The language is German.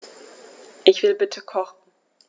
Ich will bitte kochen.